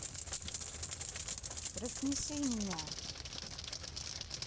рассмеши меня